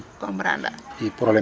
comeprendre a?